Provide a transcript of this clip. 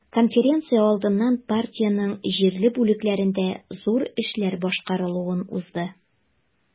Конференция алдыннан партиянең җирле бүлекләрендә зур эшләр башкарылуын узды.